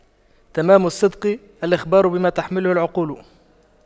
تمام الصدق الإخبار بما تحمله العقول